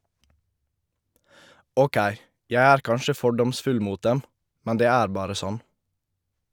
Åkei, jeg er kanskje fordomsfull mot dem, men det er bare sånn.